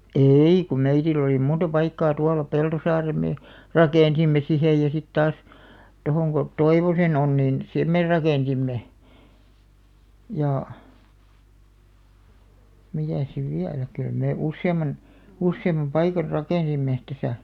ei kun meillä oli monta paikkaa tuolla Peltosaaren me rakensimme siihen ja sitten taas tuohon kun Toivosen on niin sen me rakensimme ja mitäs sitten vielä kyllä me useamman useamman paikan rakensimme tässä